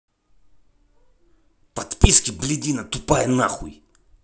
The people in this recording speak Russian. подписки блядина тупая нахуй